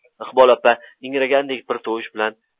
iqbol opa ingragandek bir tovush bilan